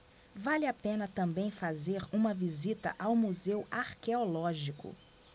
vale a pena também fazer uma visita ao museu arqueológico